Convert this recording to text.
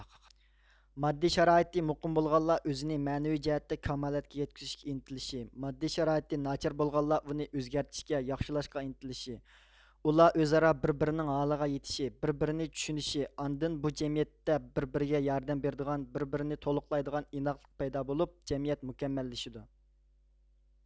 ماددىي شارائىتى مۇقىم بولغانلار ئۆزىنى مەنىۋى جەھەتتە كامالەتكە يەتكۈزۈشكە ئىنتىلىشى ماددىي شارائىتى ناچار بولغانلار ئۇنى ئۆزگەرتىشكە ياخشىلاشقا ئىنتىلىشى ئۇلار ئۆزئارا بىر بىرىنىڭ ھالىغا يېتىشى بىر بىرىنى چۈشىنىشى ئاندىن بۇ جەمئىيەتتە بىر بىرىگە ياردەم بېرىدىغان بىر بىرىنى تولۇقلايدىغان ئىناقلىق پەيدا بولۇپ جەمىئىيەت مۇكەممەللىشىدۇ